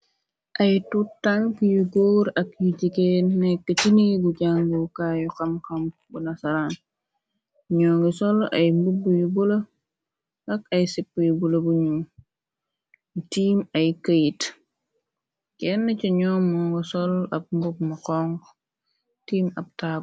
ay tu tank yu góor ak yu jigeen nekk ci ni gu jàngukaayu xam xam buna saraan ñoo ngi sol ay mbubb yu bula ak ay sipp yu bula buñuy tiim ay këyit kenn ca ñoo mo nga sol ab mbob ma xong tiim ab taab